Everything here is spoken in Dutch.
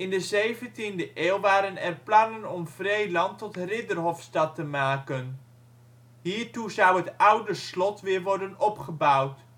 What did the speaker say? de 17e eeuw waren er plannen om Vreeland tot Ridderhofstad te maken. Hiertoe zou het oude slot weer worden opgebouwd